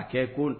A kɛlen ko